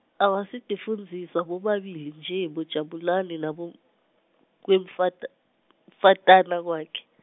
Abasitifundziswa bobabili nje boJabulane kanukwemfata- mfatana kwakhe.